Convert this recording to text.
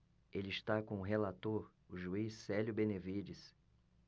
ele está com o relator o juiz célio benevides